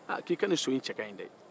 aaa k'i nin so in cɛ kaɲi dɛ